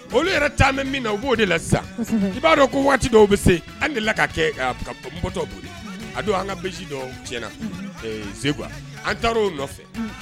Olu yɛrɛ taama min na u b'o de la sisan u b'a dɔn ko waati dɔw bɛ se an de la ka kɛpmptɔ boli a don an ka bilisi dɔw tiɲɛna sekura an taarar' nɔfɛ